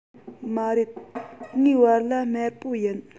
མ རེད ངའི བལ ལྭ དམར པོ ཡིན